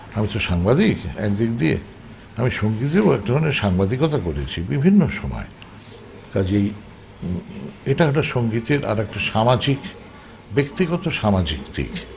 আমি তো সাংবাদিক একদিক দিয়ে আমি সংগীতেও এক ধরনের সাংবাদিকতা করেছি বিভিন্ন সময়ে কাজেই এটাও একটা সংগীতের আর একটা সামাজিক ব্যক্তিগত সামাজিক দিক